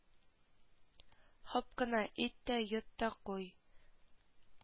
Һоп кына ит тә йот та куй